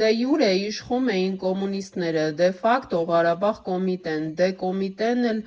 Դե յուրե իշխում էին կոմունիստները, դե ֆակտո՝ Ղարաբաղ կոմիտեն, դե, Կոմիտեն էլ